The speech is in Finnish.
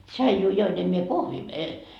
tsaijua join en minä kahvia -